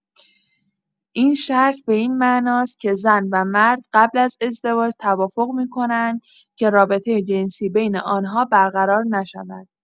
این شرط به این معناست که زن و مرد قبل از ازدواج توافق می‌کنند که رابطه جنسی بین آن‌ها برقرار نشود.